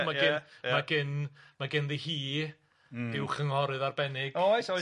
...ma' gin ma' gin ma' genddi hi... Hmm. ...rhyw chynghorydd arbennig. Oes oes.